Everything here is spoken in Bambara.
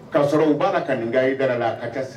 K'a sɔrɔ u b'a ka nin ka i da la a ka sisan